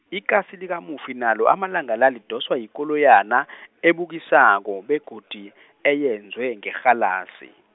ikasi likamufi nalo amalanga la lidoswa yikoloyana , ebukisako begodu, eyenziwe ngerhalasi.